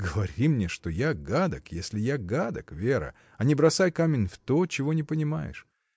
— Говори мне, что я гадок, если я гадок, Вера, а не бросай камень в то, чего не понимаешь.